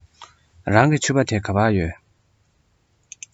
རང གི ཕྱུ པ དེ ག པར ཡོད